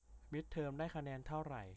มิดเทอมได้คะแนนเท่าไหร่